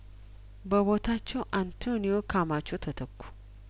በቦታቸው አንቶኒዮ ካማቾ ተተኩ